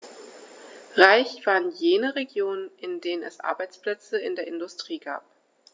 Reich waren jene Regionen, in denen es Arbeitsplätze in der Industrie gab.